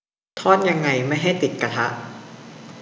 ทอดยังไงไม่ให้ติดกระทะ